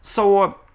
so.